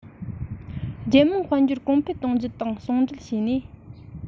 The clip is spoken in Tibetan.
རྒྱལ དམངས དཔལ འབྱོར གོང འཕེལ གཏོང རྒྱུ དང ཟུང འབྲེལ བྱས ནས